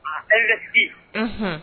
À investir unhun